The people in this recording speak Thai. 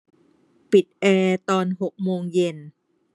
ปิดแอร์ตอนหกโมงเย็น